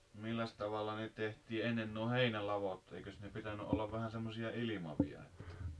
milläs tavalla ne tehtiin ennen nuo heinäladot eikös ne pitänyt olla vähän semmoisia ilmavia että